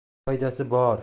foydasi bor